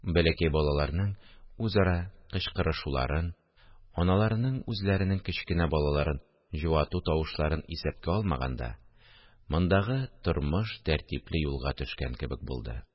Бәләкәй балаларның үзара кычкырышуларын, аналарының үзләренең кечкенә балаларын җуату тавышларын исәпкә алмаганда, мондагы тормыш тәртипле юлга төшкән кебек булды